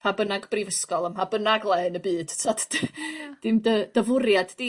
pa bynnag brifysgol ym mha bynnag le yn y byd t'od d- <chwerthin... Ia. ...dim dy dy fwriad di